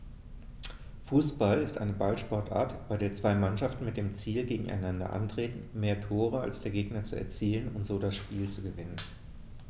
Fußball ist eine Ballsportart, bei der zwei Mannschaften mit dem Ziel gegeneinander antreten, mehr Tore als der Gegner zu erzielen und so das Spiel zu gewinnen.